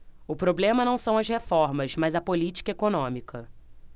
o problema não são as reformas mas a política econômica